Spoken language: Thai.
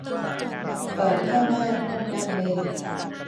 เปิดผ้าม่านห้องนั่งเล่น